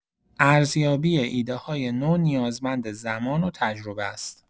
ارزیابی ایده‌های نو نیازمند زمان و تجربه است.